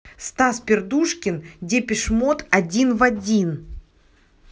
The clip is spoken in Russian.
стас пердушкин depeche mode один в один